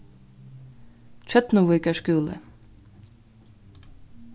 tjørnuvíkar skúli